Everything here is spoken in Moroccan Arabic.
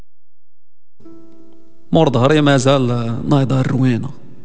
مرض هاري مازال مازال رومينو